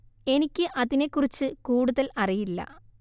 എനിക്ക് അതിനെ കുറിച്ച് കൂടുതല്‍ അറിയില്ല